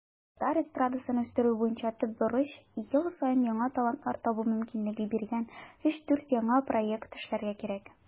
Татар эстрадасын үстерү буенча төп бурыч - ел саен яңа талантлар табу мөмкинлеге биргән 3-4 яңа проект эшләргә кирәк.